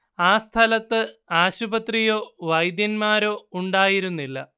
ആ സ്ഥലത്ത് ആശുപത്രിയോ വൈദ്യന്മാരോ ഉണ്ടായിരുന്നില്ല